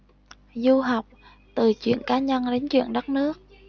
du học từ chuyện cá nhân đến chuyện đất nước